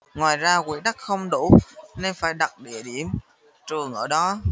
ngoài ra quỹ đất không đủ nên phải đặt điểm trường ở đó